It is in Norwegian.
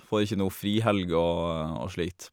Får ikke noe frihelg og og slit.